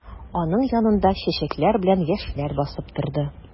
Аның янында чәчәкләр белән яшьләр басып торды.